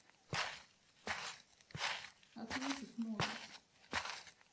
ответить можешь